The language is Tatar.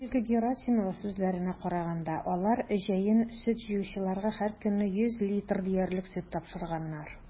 Ольга Герасимова сүзләренә караганда, алар җәен сөт җыючыларга һәркөнне 100 литр диярлек сөт тапшырганнар.